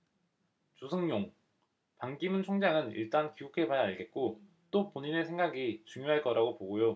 주승용 반기문 총장은 일단 귀국해 봐야 알겠고 또 본인의 생각이 중요할 거라고 보고요